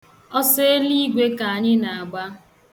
Ọsọ eliigwe ka anyị na-agba.